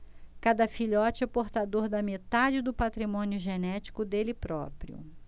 cada filhote é portador da metade do patrimônio genético dele próprio